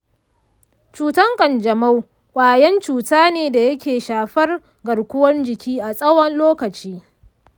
cutan ƙanjamau ƙwayan cuta ne da yake shafar garkuwan jiki a tsawon lokaci.